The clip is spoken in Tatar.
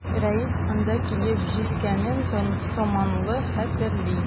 Рәис анда килеп җиткәнен томанлы хәтерли.